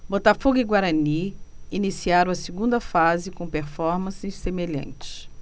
botafogo e guarani iniciaram a segunda fase com performances semelhantes